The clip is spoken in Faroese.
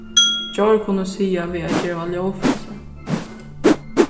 djór kunnu siga við at geva ljóð frá sær